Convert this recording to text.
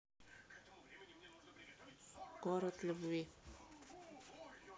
город любви